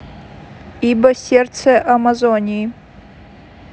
ибо сердце амазонии